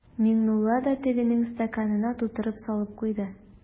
Миңнулла да тегенең стаканына тутырып салып куйды.